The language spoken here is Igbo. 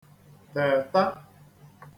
tèta